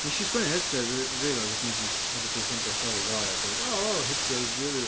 wnes i sgwennu Hydref w- wreiddiol achos wnes i, obviously, ffeindio'r stori ddoe a "deud, o, waw Hydref 'di hi heddiw".